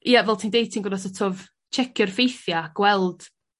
ia fel ti'n deud so't of checio'r ffeithia gweld